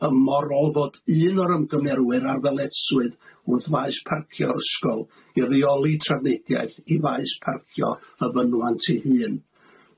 yn morol fod un o'r ymgymerwyr ar ddyletswydd wrth maes parcio'r ysgol i reoli trafnidiaeth i maes parcio y fynwant ei hun.